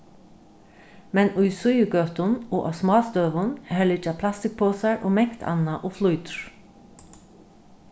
men í síðugøtum og á smástøðum har liggja plastikkposar og mangt annað og flýtur